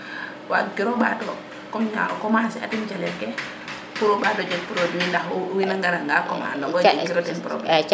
wag kiro mbto comme genre o commencer a tin calel ke pour o ɓo jeg produit ndax wina ngara nga commande ongoyo